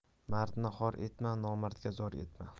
mardni xor etma nomardga zor etma